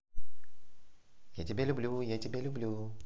я тебя люблю я тебя люблю